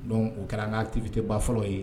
Donc o kɛra an ka activité ba fɔlɔ ye